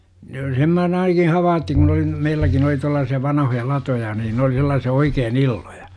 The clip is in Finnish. jo sen minä olen ainakin havainnut kun oli meilläkin oli tuollaisia vanhoja latoja niin ne oli sellaisia oikein illoja